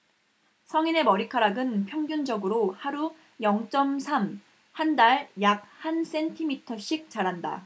성인의 머리카락은 평균적으로 하루 영 쩜 삼 한 달 약 한 센티미터씩 자란다